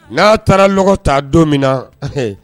N'a taara dɔgɔ ta don min na a